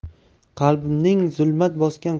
qalbimning zulmat bosgan